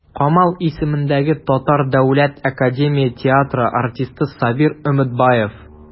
Камал исемендәге Татар дәүләт академия театры артисты Сабир Өметбаев.